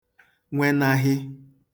nwenahị